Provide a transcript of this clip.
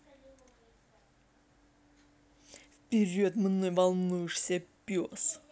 вперед мной волнуешься пес